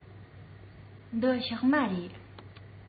འདི ཕྱགས མ རེད